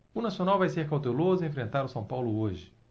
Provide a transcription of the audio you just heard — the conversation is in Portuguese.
o nacional vai ser cauteloso ao enfrentar o são paulo hoje